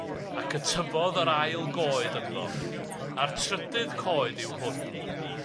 ac y tyfodd yr ail goed ynddo a'r trydydd coed yw hwn